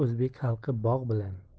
o'zbek xalqi bog' bilan